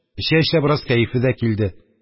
Эчә-эчә, бераз кәефе дә килде.